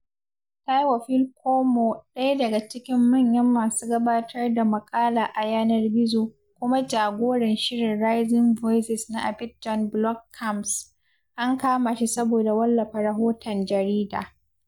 Théophile Kouamouo, ɗaya daga cikin manyan masu gabatar da maƙala a yanar gizo, kuma jagoran shirin Rising Voices na Abidjan Blog Camps, an kama shi saboda wallafa rahoton jarida.